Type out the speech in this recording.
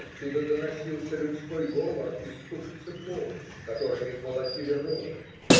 оттуда доносился людской говор и стук цепов, которыми молотили рожь.